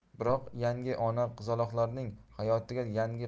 biroq yangi ona qizaloqlarning hayotiga yangi